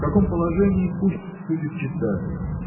в каком положении – пусть судит читатель